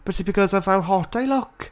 but it's because of how hot I look.